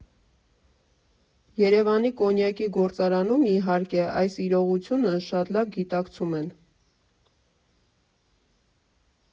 Երևանի կոնյակի գործարանում, իհարկե, այս իրողությունը շատ լավ գիտակցում են։